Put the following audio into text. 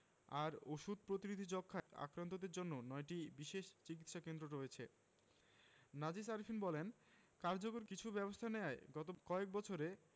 আর ওষুধ প্রতিরোধী যক্ষ্মায় আক্রান্তদের জন্য ৯টি বিশেষ চিকিৎসাকেন্দ্র রয়েছে নাজিস আরেফিন বলেন কার্যকর কিছু ব্যবস্থা নেয়ায় গত কয়েক বছরে